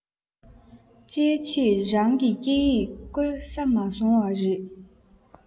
ཅིའི ཕྱིར རང གི སྐད ཡིག བཀོལ ས མ སོང བ རེད